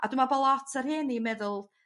A dwi me'wl bo' lot o rhieni meddwl